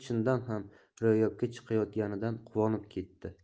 chindan ham ro'yobga chiqayotganidan quvonib ketdi